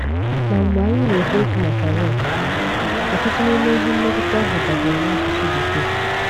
Na mgbe anyị na-ekwu maka Rock, ọtụtụ n'ime ihe mmetụta ahụ dabere n'asụsụ Bekee.